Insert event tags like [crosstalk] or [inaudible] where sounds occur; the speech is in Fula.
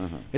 [hesitation] [hesitation]